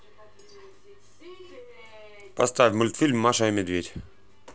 поставь мультфильм маша и медведь